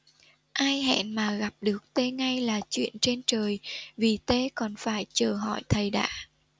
ai hẹn mà gặp được t ngay là chuyện trên trời vì t còn phải chờ hỏi thầy đã